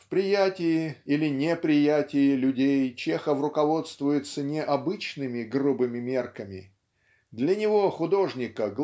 В приятии или неприятии людей Чехов руководствуется не обычными грубыми мерками для него художника